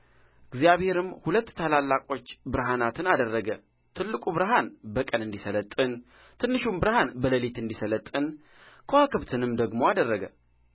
እግዚአብሔርም ሁለት ታላላቆች ብርሃናትን አደረገ ትልቁ ብርሃን በቀን እንዲሠለጥን ትንሹም ብርሃን በሌሊት እንዲሰለጥን ከዋክብትንም ደግሞ አደረገ